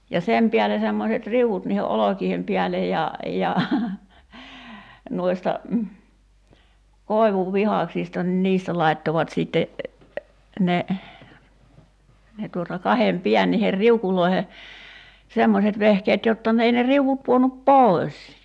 ja sen päälle semmoiset riu'ut niiden olkien päälle ja ja noista koivunvihdaksista niin niistä laittoivat sitten ne ne tuota kahden päin niihin riukuihin semmoiset vehkeet jotta ne ei ne riu'ut pudonnut pois